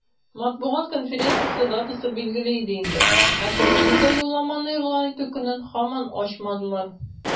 Матбугат конференциясе датасы билгеле иде инде, ә Кремльдә юлламаны игълан итү көнен һаман ачмадылар.